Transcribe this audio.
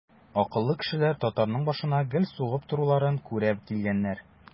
Акыллы кешеләр татарның башына гел сугып торуларын күрә килгәннәр.